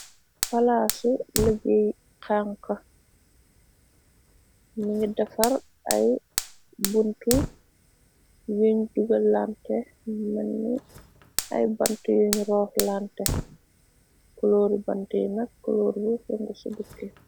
Palaasu ligéey xanka mi ngi defar ay buntu yuñ jugal laante mën ni ay bant yuñ roof lante kulooru bante yina kuloor bu sungu ci bukke.